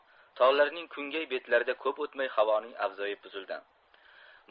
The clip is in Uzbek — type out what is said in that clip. tog'larning kungay betlarida ko'p o'tmay havoning avzoyi buzildi